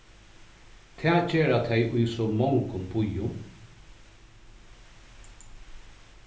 tað gera tey í so mongum býum